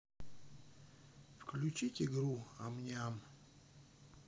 включить игру ам ням